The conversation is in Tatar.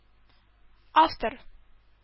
Автор